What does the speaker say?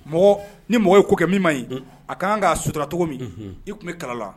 Mɔgɔ ni mɔgɔ ye ko kɛ min man ɲi a ka kanan k'a suturara cogo min i tun bɛ kalala